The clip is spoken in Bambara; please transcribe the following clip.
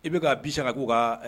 I be ka bi siyɛn k'a k'u kaa ɛ